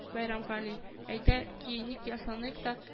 Бәйрәмгали, әйдә киеник-ясаныйк та